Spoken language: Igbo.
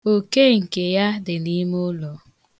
Oke nke ya dị n'ime ụlọ.